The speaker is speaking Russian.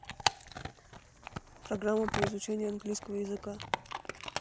программа по изучению английского языка